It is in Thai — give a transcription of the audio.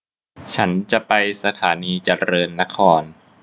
ฉันจะไปสถานีเจริญนคร